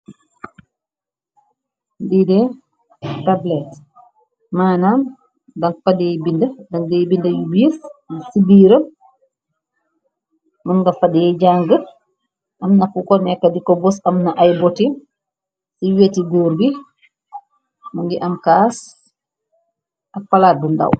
Biide tablet maanaam dan pd dangay bind yu biis ci biira. Mu nga fade jàng am nafu ko nekka di ko bos. Am na ay boti ci weti góor bi mu ngi am kaas ak palaat bu ndàw.